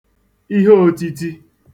iheōtītī